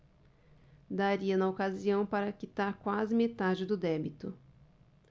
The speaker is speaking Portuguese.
daria na ocasião para quitar quase metade do débito